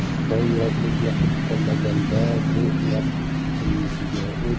dovyurakligi yoqib qolmaganda bu uloq jinnisiga